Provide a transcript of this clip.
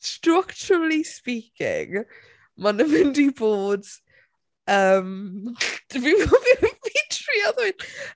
Structurally speaking ma' nhw fynd i bod yym fi'm yn gwybod be o- fi'n trio ddweud!